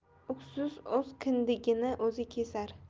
uksiz o'z kindigini o'zi kesar